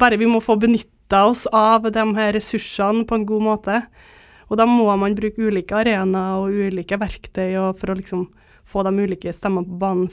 bare vi må få benytta oss av dem her ressursene på en god måte og da må man bruke ulike arenaer og ulike verktøy og for å liksom få dem ulike stemmene på banen.